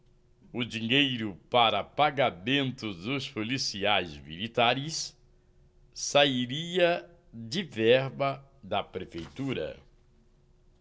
o dinheiro para pagamento dos policiais militares sairia de verba da prefeitura